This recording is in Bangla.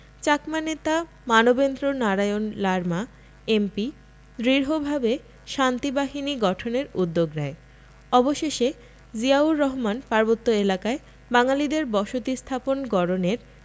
চাকমা নেতা মানবেন্দ্র নারায়ণ লারমা এম.পি. দৃঢ়ভাবে শান্তিবাহিনী গঠনের উদ্যোগ নেয় অবশেষে জিয়াউর রহমান পার্বত্য এলাকায় বাঙালিদের বসতী স্থাপন গড়নের